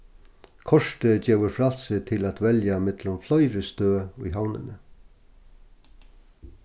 kortið gevur frælsi til at velja millum fleiri støð í havnini